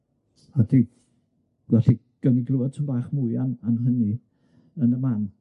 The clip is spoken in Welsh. a dwi felly gawn ni glwed tipyn bach mwy am am hynny yn y man.